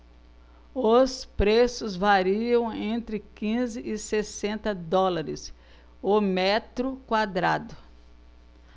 os preços variam entre quinze e sessenta dólares o metro quadrado